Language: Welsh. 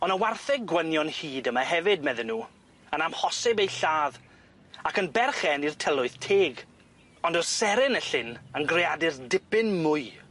O' 'na wartheg gwynion hud yma hefyd medden nw yn amhosib eu lladd ac yn berchen i'r tylwyth teg ond o' seren y llyn yn greadur dipyn mwy.